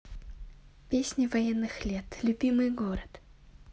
песни военных лет любимый город